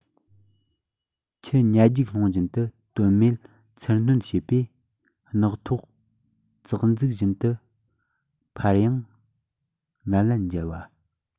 ཁྱི ཉལ རྒྱུག སློང བཞིན དུ དོན མེད ཚུར གནོད བྱས པས རྣག ཐོག གཙག འཛུགས བཞིན དུ ཕར ཡང ངན ལན འཇལ བ